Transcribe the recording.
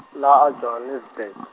la a Johannesburg.